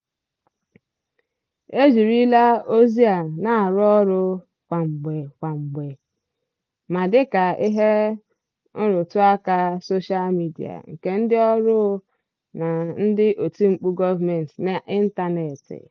E jirila ozi a na-arụ ọrụ kwamgbe kwamgbe, ma dịka ihe nrụtụaka sosha midia, nke ndị ọrụ na ndị otimkpu gọọmentị n'ịntanetị,